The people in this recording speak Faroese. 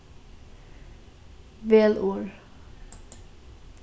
vel orð